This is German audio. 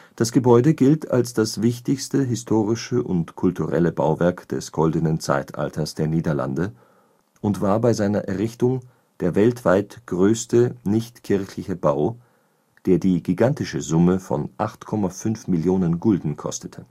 Das Gebäude gilt als das wichtigste historische und kulturelle Bauwerk des Goldenen Zeitalters der Niederlande und war bei seiner Errichtung der weltweit größte nicht-kirchliche Bau, der die gigantische Summe von 8,5 Millionen Gulden kostete